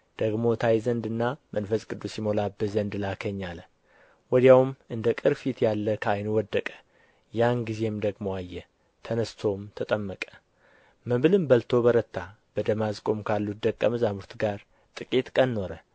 ደግሞ ታይ ዘንድና መንፈስ ቅዱስ ይሞላብህ ዘንድ ላከኝ አለ ወዲያውም እንደ ቅርፊት ያለ ከዓይኑ ወደቀ ያን ጊዜም ደግሞ አየ ተነሥቶም ተጠመቀ መብልም በልቶ በረታ በደማስቆም ካሉት ደቀ መዛሙርት ጋር ጥቂት ቀን ኖረ